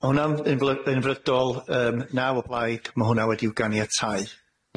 Ma' hwnna'n ynfly- ynfrydol yym naw o blaid ma' hwnna wedi'w ganiatáu.